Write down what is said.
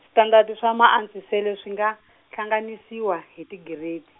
switandati swa Maantswisele swi nga, hlanganisiwa hi tigiredi.